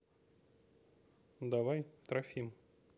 давай трофим